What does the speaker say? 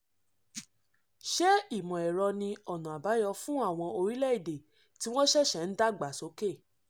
Ṣé ìmọ̀-ẹ̀rọ ni ọ̀nà-àbáyọ fún àwọn orílẹ̀-èdè tí wọ́n sẹ̀sẹ̀ ń dàgbà sókè?